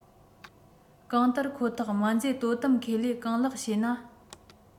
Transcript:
གང ལྟར ཁོ ཐག སྨན རྫས དོ དམ ཁེ ལས གང ལགས ཤེ ན